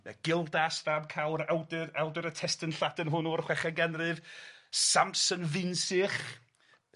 Gilda Stab Cawr y awdur awdur y testun Lladin hwnnw o'r chweched ganrif Samson Finsych.